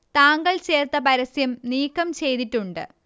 താങ്കൾ ചേർത്ത പരസ്യം നീക്കം ചെയ്തിട്ടുണ്ട്